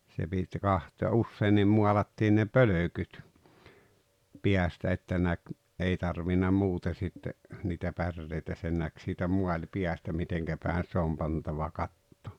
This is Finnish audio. se piti katsoa ja useinkin maalattiin ne pölkyt päästä että näki ei tarvinnut muuten sitten niitä päreitä sen näki siitä maalipäästä miten päin se on pantava katto